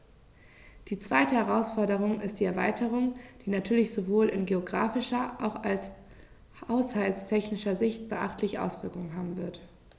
Die zweite Herausforderung ist die Erweiterung, die natürlich sowohl in geographischer als auch haushaltstechnischer Sicht beachtliche Auswirkungen haben wird.